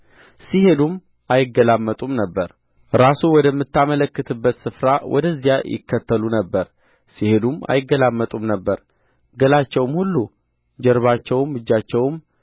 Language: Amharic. ሲሄዱም አይገላመጡም ነበር ራሱ ወደምታመለክትበት ስፍራ ወደዚያ ይከተሉ ነበር ሲሄዱም አይገላመጡም ነበር ገላቸውም ሁሉ ጀርባቸውም እጃቸውም